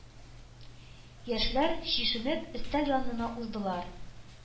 Яшьләр, чишенеп, өстәл янына уздылар.